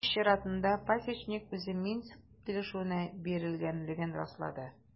Үз чиратында Пасечник үзе Минск килешүенә бирелгәнлеген раслады.